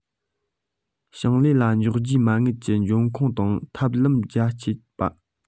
ཞིང ལས ལ འཇོག རྒྱུའི མ དངུལ གྱི འབྱུང ཁུངས དང ཐབས ལམ རྒྱ སྐྱེད པ